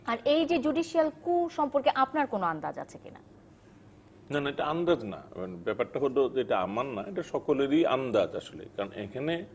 আর এই যে judicial coup সম্পর্কে আপনার কোন আন্দাজ আছে কিনা না না এটা আন্দাজ না ব্যাপারটা হল যেটা আমার না এটা সকলেরই আন্তাজ আসলে কারণ এখানে